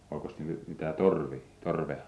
olikos niillä mitään torvia torvea